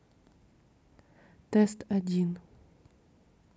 тест один